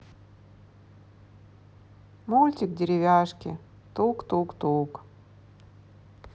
мультик деревяшки тук тук тук